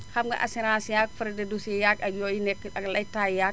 xam nga assurance yaag frais de dossier yaag ak yooyu nekk ak laytaay yaag